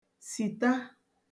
sìta